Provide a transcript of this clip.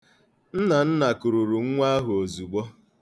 Nnanna kururu nwa ahụ ozugbo.